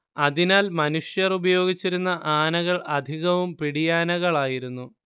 അതിനാൽ മനുഷ്യർ ഉപയോഗിച്ചിരുന്ന ആനകൾ അധികവും പിടിയാനകളായിരുന്നു